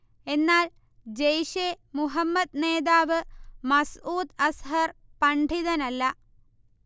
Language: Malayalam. എന്നാൽ ജയ്ഷെ മുഹമ്മദ് നേതാവ് മസ്ഊദ് അസ്ഹർ പണ്ഡിതനല്ല